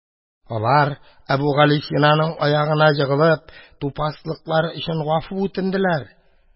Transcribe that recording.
Алар, Әбүгалисинаның аягына егылып, тупаслыклары өчен гафу үтенделәр.